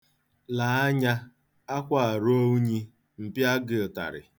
Lee anya, akwa a ruo unyi, m pịa gị ụtarị.